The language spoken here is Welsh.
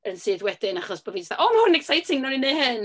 yn syth wedyn achos bo' fi jyst fatha, "O, ma' hwn yn exciting, wnawn ni wneud hyn".